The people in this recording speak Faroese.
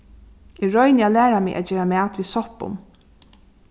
eg royni at læra meg at gera mat við soppum